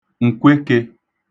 ǹkwekē